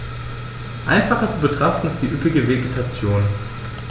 Einfacher zu betrachten ist die üppige Vegetation.